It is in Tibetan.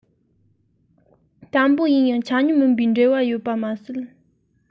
དམ པོ ཡིན ཡང ཆ སྙོམས མིན པའི འབྲེལ བ ཡོད པ མ ཟད